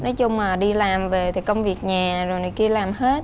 nói chung là đi làm về thì công việc nhà rồi này kia làm hết